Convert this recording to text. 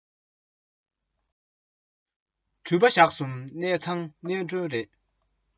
འགྲུལ པ ཞག གསུམ གནས ཚང གནས མགྲོན རེད